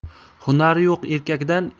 hunari yo'q erkakdan